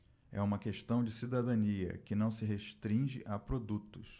é uma questão de cidadania que não se restringe a produtos